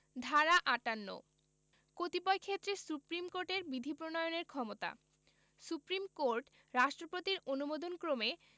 ধারা ৫৮ কতিপয় ক্ষেত্রে সুপ্রীম কোর্টের বিধি প্রণয়নের ক্ষমতা সুপ্রীম কোর্ট রাষ্ট্রপতির অনুমোদনক্রমে